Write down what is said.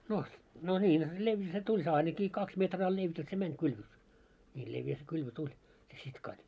no no niin leveä se tuli se ainakin kaksi metriä leveä se meni kylvö niin leveä se kylvö tuli se sitkas